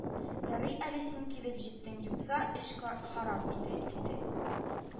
Ярый әле син килеп җиттең, юкса эш харап иде, диде